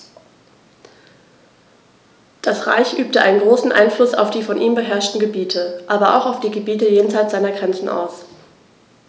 Das Reich übte einen großen Einfluss auf die von ihm beherrschten Gebiete, aber auch auf die Gebiete jenseits seiner Grenzen aus.